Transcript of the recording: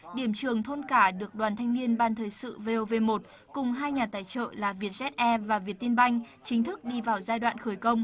điểm trường thôn cả được đoàn thanh niên ban thời sự vê ô vê một cùng hai nhà tài trợ là việt giét e và việt tin banh chính thức đi vào giai đoạn khởi công